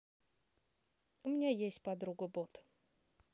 у меня есть подруга бот